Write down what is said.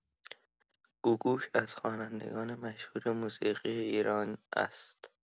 گوگوش از خوانندگان مشهور موسیقی ایران است.